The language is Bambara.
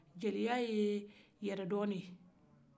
jeliya ye yɛrɛdɔn de ye